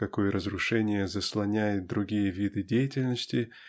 в какой разрушение заслоняет другие виды деятельности